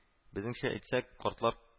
Безнеңчә әйтсәк, картлар